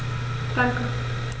Danke.